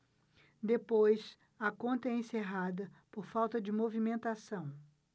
depois a conta é encerrada por falta de movimentação